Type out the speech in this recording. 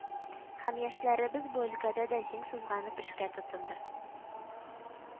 Һәм яшьләребез бу өлкәдә дә җиң сызганып эшкә тотынды